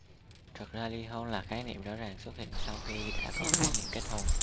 thực ra ly hôn là khái niệm rõ ràng xuất hiện sau khi đã có khái niệm kết hôn